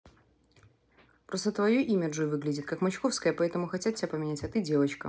просто твое имя джой выглядит как мачковская поэтому хотят тебя поменять а ты девочка